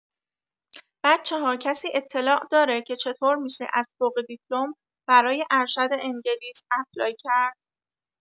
بچه‌ها کسی اطلاع داره که چطور می‌شه از فوق‌دیپلم برای ارشد انگلیس اپلای کرد؟